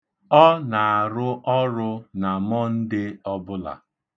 Ọ na-arụ ọrụ na Mọnde ọbụla.